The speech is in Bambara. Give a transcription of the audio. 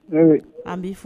An b'